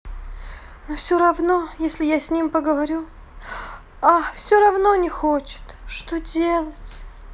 но все равно если я с ним поговорю а все равно не хочет что делать